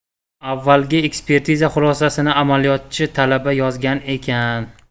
avvalgi ekspertiza xulosasini amaliyotchi talaba yozgan ekan